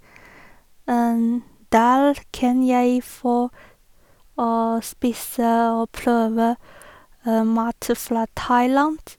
Der kan jeg få og spise og prøve mat fra Thailand.